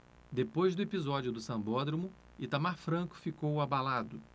depois do episódio do sambódromo itamar franco ficou abalado